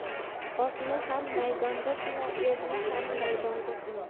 otni ham maydonda sina erni ham maydonda sina